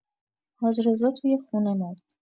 حاج رضا توی خونه مرد.